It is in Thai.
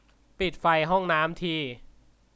ปิดไฟห้องน้ำที